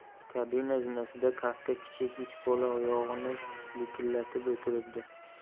kabina zinasida katta kichik uch bola oyog'ini likillatib o'tiribdi